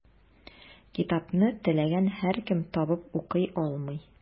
Китапны теләгән һәркем табып укый алмый.